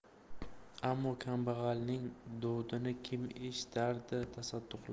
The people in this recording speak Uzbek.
ammo kambag'alning dodini kim eshitardi tasadduqlar